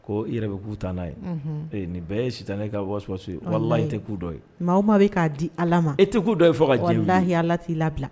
Ko e yɛrɛ bɛ k'utan n'a ye nin bɛɛ e si tan ne ka waawaso yeyi tɛ k'u dɔ ye maa o maa bɛ k'a di ala ma e tɛ k'u dɔ ye fɔ ka h alala t'i labila